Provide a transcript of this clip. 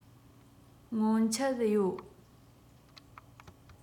སྔོན ཆད ཡོད